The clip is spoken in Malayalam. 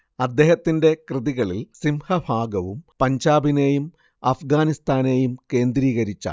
അദ്ദേഹത്തിന്റെ കൃതികളിൽ സിംഹഭാഗവും പഞ്ചാബിനെയും അഫ്ഗാനിസ്ഥാനെയും കേന്ദ്രീകരിച്ചാണ്